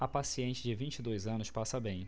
a paciente de vinte e dois anos passa bem